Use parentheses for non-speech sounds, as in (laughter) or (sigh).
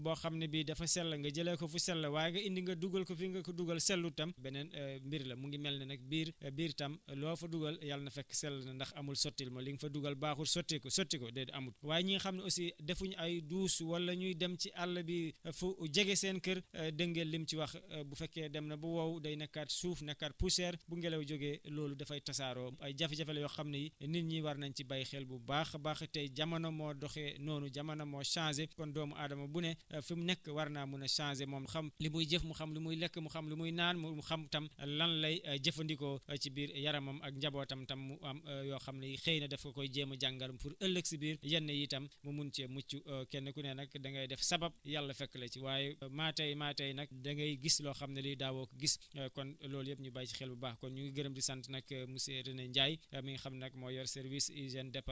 kon (hesitation) yooyu yëpp nañ ci bàyyi xel bu baax a baax ndax nee na ndox boo xam ne bi dafa sell nga jëlee ko fu sell waaye nga indi nga dugal ko fi nga ko dugal sellut tam beneen (hesitation) mbir la mu ngi mel ni rek biir biir tam loo fa dugal yal na fekk sell na ndax amul sottil ma li nga fa dugal baaxul sotteeku sotti ko déet amul waaye ñi nga xam ne aussi defuñ ay douche wala ñuy dem ci àll bi fu jege seen kër (hesitation) dégg ngeen lim ci wax bu fekkee dem na ba wow day nekkaat suuf nekkaat poussière bu ngelaw jógee loolu dafay tasaaroo ay jafe-jafe la yoo xam ne yi nit ñi war nañ ci bàyyi xel bu baax a baax tey jamono moo doxee noonu jamono moo changé kon doomu aadama bu ne fi mu nekk war naa mun a changé moom xam li muy jëf mu xam lu muy lekk mu xam lu muy naan mu xam tam lan lay jëfandikoo ci biir yaramam ak njabootam tam mu am (hesitation) yoo xam ne yi xëy na daf ko koy jéem a jàngal pour ëllëg si biir yenn yi tam mu mun cee mucc (hesitation) kenn ku ne nag da ngay def sabab yàlla fekk la ci waaye maa tey maa tey nag da ngay gis loo xam ne li daawoo ko gis kon loolu yëpp ñu bàyyi si xel bu baax